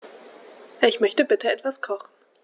Ich möchte bitte etwas kochen.